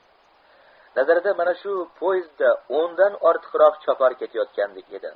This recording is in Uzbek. nazarida mana shu poezdda o'ndan ortiqroq chopar ketayotgandek edi